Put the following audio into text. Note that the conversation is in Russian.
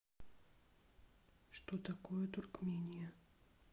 что такое туркмения